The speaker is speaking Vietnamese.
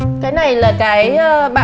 cái này là cái bạn